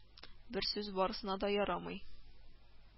Бер сүз барысына да ярамый